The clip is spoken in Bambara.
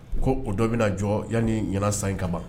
Ko o dɔ bɛ na jɔ yan ni ɲɛna san in kaban